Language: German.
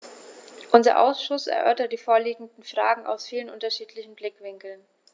Unser Ausschuss erörtert die vorliegenden Fragen aus vielen unterschiedlichen Blickwinkeln.